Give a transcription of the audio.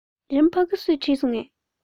རི མོ ཕ གི སུས བྲིས སོང